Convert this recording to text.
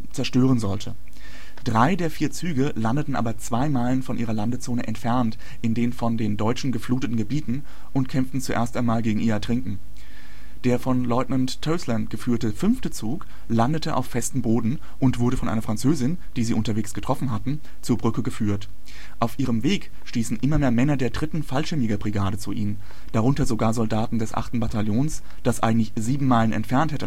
zerstören sollte. Drei der vier Züge landeten aber zwei Meilen von ihrer Landezone entfernt in den von den Deutschen gefluteten Gebieten und kämpften zuerst einmal gegen ihr Ertrinken. Der von Lieutenant Toseland geführte 5. Zug landete auf festem Boden und wurden von einer Französin, die sie unterwegs getroffen hatten, zur Brücke geführt. Auf ihrem Weg stießen immer mehr Männer der 3. Fallschirmjägerbrigade zu ihnen, darunter sogar Soldaten des 8. Bataillons, das eigentlich sieben Meilen entfernt